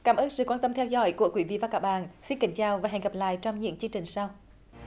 cảm ơn sự quan tâm theo dõi của quý vị và các bạn xin kính chào và hẹn gặp lại trong những chương trình sau